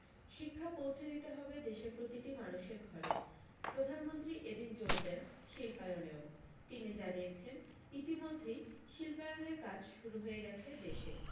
শিক্ষা পৌঁছে দিতে হবে দেশের প্রতিটি মানুষের ঘরে প্রধানমন্ত্রী এদিন জোর দেন শিল্পায়নেও তিনি জানিয়েছেন ইতিমধ্যেই শিল্পায়নের কাজ শুরু হয়ে গেছে দেশে